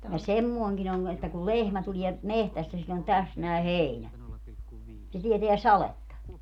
ja semmoinenkin on että kun lehmä tulee metsästä sillä on tässä näin heinä se tietää sadetta